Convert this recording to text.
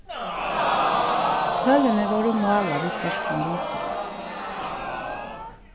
hølini vóru málað við sterkum litum